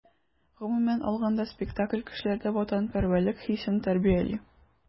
Гомумән алганда, спектакль кешеләрдә ватанпәрвәрлек хисен тәрбияли.